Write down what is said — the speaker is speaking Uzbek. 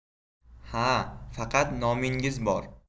ha faqat nomingiz bor